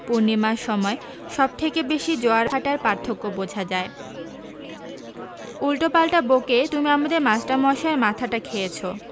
পূর্নীমার সময় সব থেকে বেশী জোয়ার ভাঁটার পার্থক্য বোঝা যায় উল্টো পাল্টা বকে তুমি আমাদের মাস্টার মশায়ের মাথাটা খেয়েছো